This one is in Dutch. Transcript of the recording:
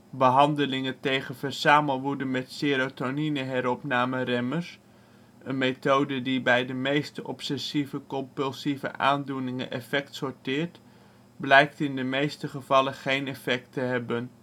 Behandelingen tegen verzamelwoede met serotonineheropnameremmers, een methode die bij de meeste obsessieve-compulsieve aandoeningen effect sorteert, blijkt in de meeste gevallen geen effect te hebben